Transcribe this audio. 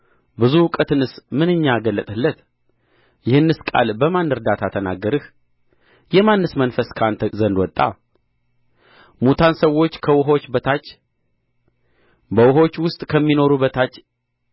ብዙ እውቀትንስ ምንኛ ገለጥህለት ይህንስ ቃል በማን እርዳታ ተናገርህ የማንስ መንፈስ ከአንተ ዘንድ ወጣ ሙታን ሰዎች ከውኆች በታች በውኆችም ውስጥ ከሚኖሩ በታች